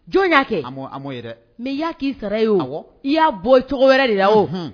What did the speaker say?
Jɔn y'a kɛ a yɛrɛ mɛ y'a k'i sara e y'o fɔ i y'a bɔ cogo wɛrɛ de la o h